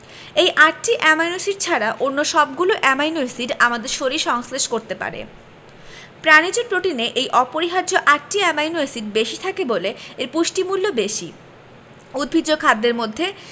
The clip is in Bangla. এই আটটি অ্যামাইনো এসিড ছাড়া অন্য সবগুলো অ্যামাইনো এসিড আমাদের শরীর সংশ্লেষ করতে পারে প্রাণিজ প্রোটিনে এই অপরিহার্য আটটি অ্যামাইনো এসিড বেশি থাকে বলে এর পুষ্টিমূল্য বেশি উদ্ভিজ্জ খাদ্যের মধ্যে